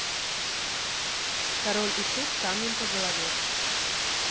король и шут камнем по голове